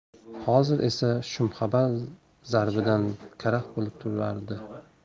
hozir esa shumxabar zarbidan karaxt bo'lib turardi